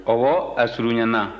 ɔwɔ a surunyana